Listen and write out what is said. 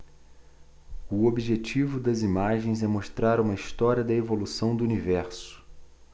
o objetivo das imagens é mostrar uma história da evolução do universo